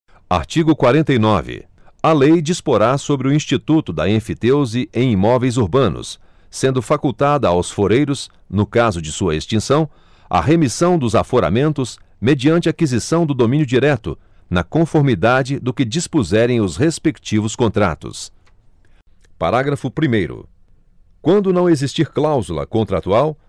artigo quarenta e nove a lei disporá sobre o instituto da enfiteuse em imóveis urbanos sendo facultada aos foreiros no caso de sua extinção a remição dos aforamentos mediante aquisição do domínio direto na conformidade do que dispuserem os respectivos contratos parágrafo primeiro quando não existir cláusula contratual